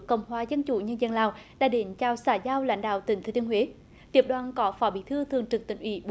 cộng hòa dân chủ nhân dân lào đã đến chào xã giao lãnh đạo tỉnh thừa thiên huế tiếp đoàn có phó bí thư thường trực tỉnh ủy bùi